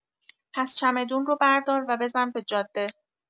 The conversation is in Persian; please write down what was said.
پس چمدون رو بردار و بزن به جاده!